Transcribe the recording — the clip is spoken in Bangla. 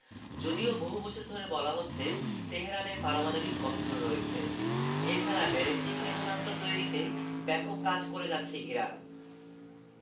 যদিও বহু বছর ধরে বলা হচ্ছে তেহরানের পারমাণবিক অস্ত্র রয়েছে এ ছাড়া ব্যালিস্টিক ক্ষেপণাস্ত্র তৈরিতে ব্যাপক কাজ করে যাচ্ছে ইরান